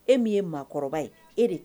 E min ye maakɔrɔba ye e de